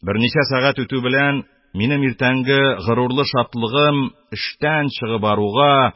Берничә сәгать үтү белән, минем иртәнге горурлы шатлыгым эштән чыгып аруга,